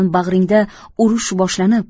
bag'ringda urush boshlanib